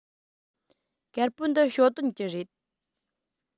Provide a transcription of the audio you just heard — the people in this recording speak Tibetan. དཀར པོ འདི ཞའོ ཏོན གྱི རེད